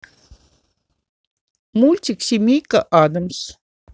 мультфильм семейка адамс